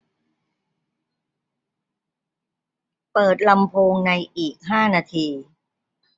เปิดลำโพงในอีกห้านาที